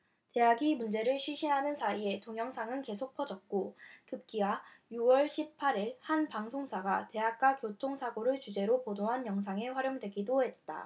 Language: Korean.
대학이 문제를 쉬쉬하는 사이에 동영상은 계속 퍼졌고 급기야 유 월 십 팔 일 한 방송사가 대학가 교통사고를 주제로 보도한 영상에 활용되기도 했다